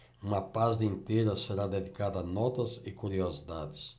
uma página inteira será dedicada a notas e curiosidades